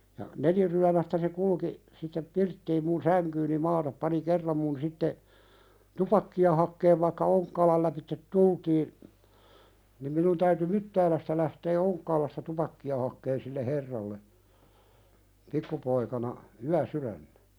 ja neliryömäistä se kulki sitten pirttiin minun sänkyyni maata pani kerran minun sitten tupakkaa hakee vaikka Onkkaalan lävitse tultiin niin minun täytyi Myttäälästä lähtee Onkkaalasta tupakkaa hakemaan sille herralle pikkupoikana yösydämenä